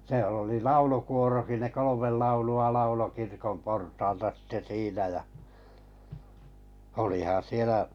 siellä oli laulukuorokin ne kolme laulua lauloi kirkon portaalta sitten siinä ja olihan siellä